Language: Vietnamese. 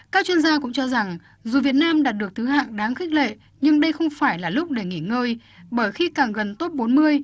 các chuyên gia cũng cho rằng dù việt nam đạt được thứ hạng đáng khích lệ nhưng đây không phải là lúc để nghỉ ngơi bởi khi càng gần tốp bốn mươi